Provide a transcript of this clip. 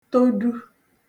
todu